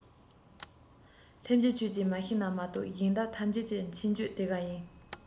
འཐོམ གྱེ ཁྱོད ཀྱིས མ ཤེས ན མ གཏོགས གཞན དག ཐམས ཅད ཀྱི མཁྱེན སྤྱོད དེ ག ཡིན